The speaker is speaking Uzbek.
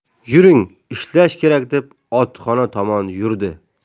yuring ishlash kerak deb otxona tomon yurdi